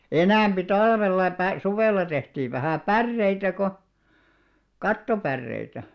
enempi talvella - suvella tehtiin vähän päreitä kun kattopäreitä